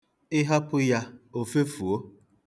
Ị hapụ ya, o fefuo.